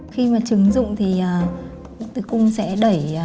khi mà trứng rụng thì à tử cung sẽ đẩy